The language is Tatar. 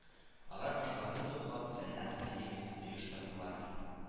Алар башкаларны туплап фәннәр академиясен оештырдылар